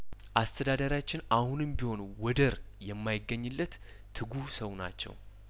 አስተዳዳሪያችን አሁንም ቢሆኑ ወደር የማይገኝለት ትጉህ ሰው ናቸው